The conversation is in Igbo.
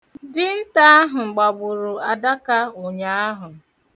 Dịnta ahụ gbagburu adaka ụnyaahụ.